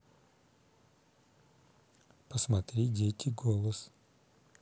посмотри дети голос